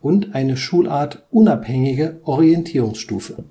und eine schulartunabhängige Orientierungsstufe